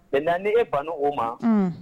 Bɛn naanige ban o ma